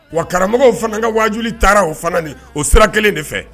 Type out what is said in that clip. Wa karamɔgɔ fana ka wajjuli taara o fana o sira kelen de fɛ